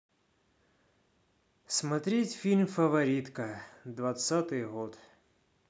смотреть фильм фаворитка двадцатый год